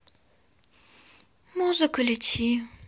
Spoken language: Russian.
музыка лети